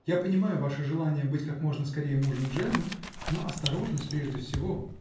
Я понимаю ваше желание быть как можно скорее мужем Джеммы. но осторожность прежде всего!